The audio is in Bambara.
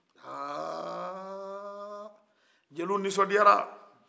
aaaa jeliw ninsɔndiyara